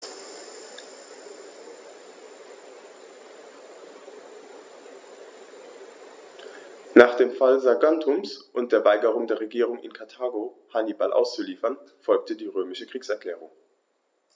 Nach dem Fall Saguntums und der Weigerung der Regierung in Karthago, Hannibal auszuliefern, folgte die römische Kriegserklärung.